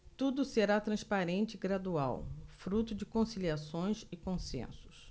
tudo será transparente e gradual fruto de conciliações e consensos